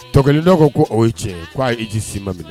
Tokelendɔ ko ko o ye tiɲɛ ye ko a hiji si ma minɛ